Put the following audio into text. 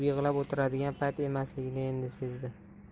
yig'lab o'tiradigan payt emasligini endi sezdi